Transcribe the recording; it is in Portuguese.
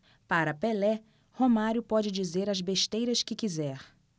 para pelé romário pode dizer as besteiras que quiser